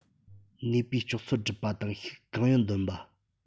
ནུས པས ལྕོགས ཚོད སྒྲུབ པ དང ཤུགས གང ཡོད འདོན པ